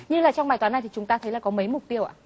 như là trong bài toán này thì chúng ta thấy là có mấy mục tiêu ạ